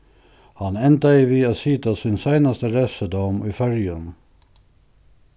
hann endaði við at sita sín seinasta revsidóm í føroyum